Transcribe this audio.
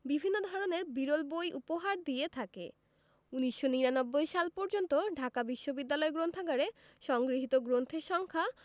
বিভিন্ন ধরনের বিরল বই উপহার দিয়ে থাকে ১৯৯৯ সাল পর্যন্ত ঢাকা বিশ্ববিদ্যালয় গ্রন্থাগারে সংগৃহীত গ্রন্থের সংখ্যা